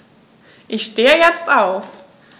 Ich stehe jetzt auf.